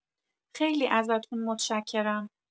خیلی ازتون متشکرم.